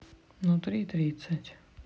внутри тридцать